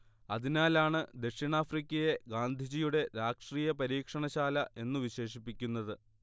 അതിനാലാണ് ദക്ഷിണാഫ്രിക്കയെ ഗാന്ധിജിയുടെ രാഷ്ട്രീയ പരീക്ഷണ ശാല എന്നു വിശേഷിപ്പിക്കുന്നത്